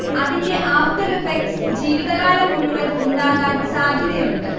അതിന്റെ after effects ജീവിതകാലം മുഴുവൻ ഉണ്ടാകാൻ സാധ്യതയുണ്ട്